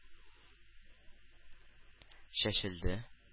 Чәчелде